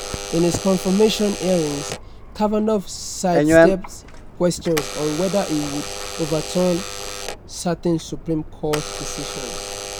In his confirmation hearings, Kavanaugh sidestepped questions on whether he would overturn certain Supreme Court decisions.